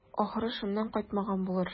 Ахры, шуннан кайтмаган булыр.